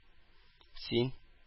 Син